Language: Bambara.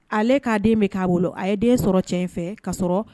Ale k'a den bɛ k'a bolo a ye den sɔrɔ cɛ in fɛ ka sɔrɔ